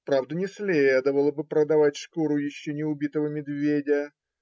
Правда, не следовало бы продавать шкуру еще не убитого медведя